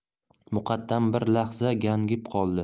muqaddam bir lahza gangib qoldi